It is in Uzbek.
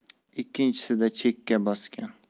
ikkinchisida cheka bosgan